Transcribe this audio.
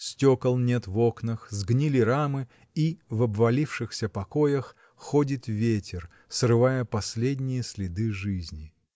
Стекол нет в окнах, сгнили рамы, и в обвалившихся покоях ходит ветер, срывая последние следы жизни.